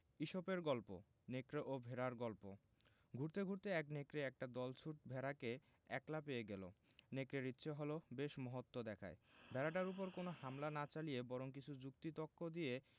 ইসপের গল্প নেকড়ে ও ভেড়ার গল্প ঘুরতে ঘুরতে এক নেকড়ে একটা দলছুট ভেড়াকে একলা পেয়ে গেল নেকড়ের ইচ্ছে হল বেশ মহত্ব দেখায় ভেড়াটার উপর কোন হামলা না চালিয়ে বরং কিছু যুক্তি তক্ক দিয়ে